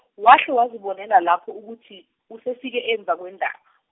wahle wazibonela lapho ukuthi usefike emva kwendaba.